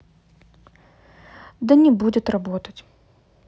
да не будет работать